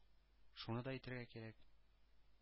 Шуны да әйтергә кирәк: